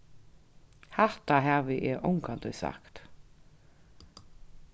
hatta havi eg ongantíð sagt